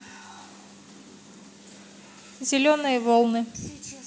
зеленые волны